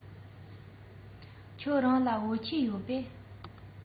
ཁྱེད རང ལ བོད ཆས ཡོད པས